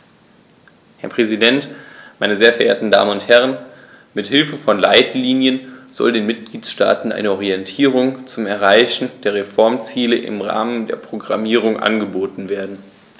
Herr Präsident, meine sehr verehrten Damen und Herren, mit Hilfe von Leitlinien soll den Mitgliedstaaten eine Orientierung zum Erreichen der Reformziele im Rahmen der Programmierung angeboten werden.